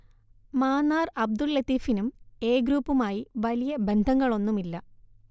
മാന്നാർ അബ്ദുൽ ലത്തീഫിനും എ ഗ്രൂപ്പുമായി വലിയ ബന്ധങ്ങളൊന്നുമില്ല